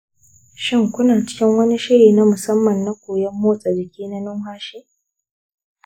shin kuna cikin wani shiri na musamman na koyon motsa jiki na numfashi?